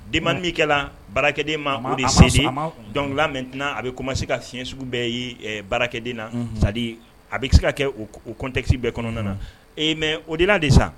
Den man minkɛla baarakɛden ma bɛ sesin dɔnkiliwula mɛt a bɛ ma se ka siyɛn sugu bɛɛ baarakɛden na sadi a bɛ se ka kɛ kɔntekisi bɛɛ kɔnɔna na e mɛ o de la de sa